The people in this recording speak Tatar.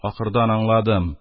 Ахырдан аңладым: